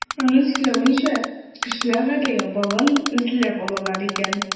Аның сөйләвенчә, кешеләр Гәрәй балын эзләп алалар икән.